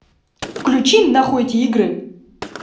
выключи на хуй эти игры